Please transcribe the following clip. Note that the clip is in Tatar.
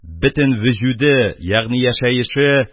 Бөтен вөҗүде ягъни яшәеше